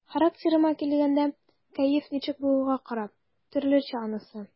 Характерыма килгәндә, кәеф ничек булуга карап, төрлечә анысы.